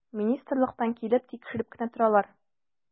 Министрлыктан килеп тикшереп кенә торалар.